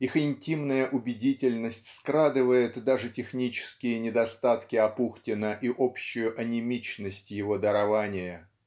их интимная убедительность скрадывает даже технические недостатки Апухтина и общую анемичность его дарования.